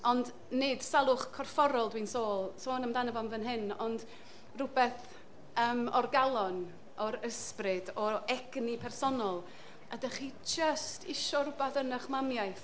Ond nid salwch corfforol dwi'n sôl, sôn amdano am fy nhyn, ond rhywbeth o'r galon, o'r ysbryd, o'r egni personol. A dych chi jyst eisio rhywbeth yn eich mamiaeth.